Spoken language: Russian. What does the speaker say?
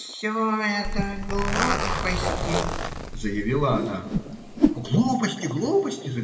– Все это глупости, – заявила она. – Глупости! Глупости!